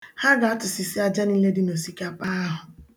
Ha ga-atụsịsị aja niile dị na osikapa ahụ